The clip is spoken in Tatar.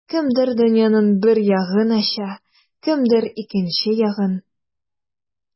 Кемдер дөньяның бер ягын ача, кемдер икенче ягын.